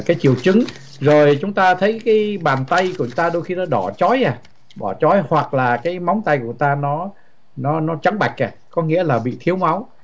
cái triệu chứng rồi chúng ta thấy cái bàn tay của chúng ta đôi khi nó đỏ chói à đỏ chói à hoặc là cái móng tay của ta nó nó nó trắng bạch à có nghĩa là bị thiếu máu